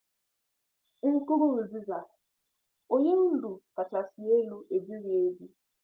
Nkurunziza, onye ndu kachasị elu ebighi ebi'